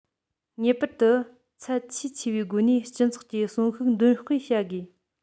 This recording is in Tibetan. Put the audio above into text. ངེས པར དུ ཚད ཆེས ཆེ བའི སྒོ ནས སྤྱི ཚོགས ཀྱི གསོན ཤུགས འདོན སྤེལ བྱ དགོས